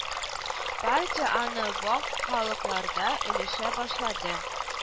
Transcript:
Партия аны вак халыкларда өләшә башлады